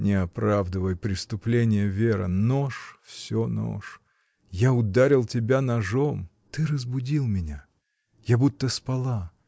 — Не оправдывай преступления, Вера: нож — всё нож. Я ударил тебя ножом. — Ты разбудил меня. Я будто спала